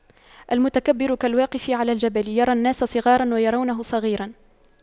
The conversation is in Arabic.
المتكبر كالواقف على الجبل يرى الناس صغاراً ويرونه صغيراً